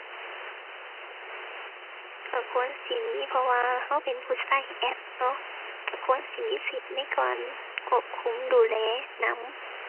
ก็ควรสิมี เพราะว่าก็เป็นผู้ก็แอปเนาะ ก็ควรสิมีสิทธิ์ในการควบคุมดูแลนำ